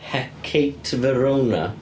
Hecate Verona.